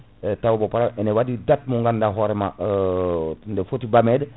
e taw bo pa* ene waɗi date mo gandanɗa hoorema nde foti ɓamede